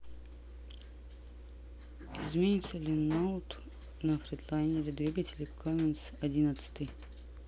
изменится ли noyd на фредлайнере двигатель каменс одиннадцатый